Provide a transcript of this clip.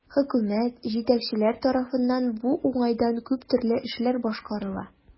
Хөкүмәт, җитәкчеләр тарафыннан бу уңайдан күп төрле эшләр башкарыла.